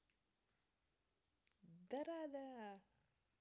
дорадо